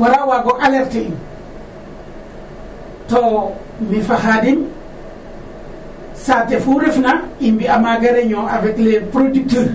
wara waag o alerte in to mi' fo Khadim saate fu refna i mbi'aa maaga reunion avec les producteur